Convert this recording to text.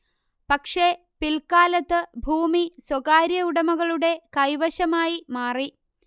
പക്ഷേ പിൽക്കാലത്ത് ഭൂമി സ്വകാര്യ ഉടമകളുടെ കൈവശമായി മാറി